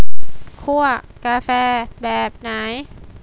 คั่วกาแฟแบบไหน